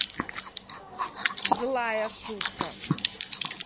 злая шутка